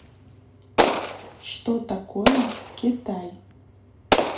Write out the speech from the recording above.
что такое китай